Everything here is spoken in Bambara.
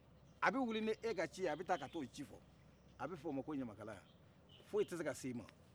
a bɛ wili n'e ka ci ye a bɛ taa ka t'o ci fɔ a bɛ f' oma ko ɲamakala foyi tɛ se ka s' ima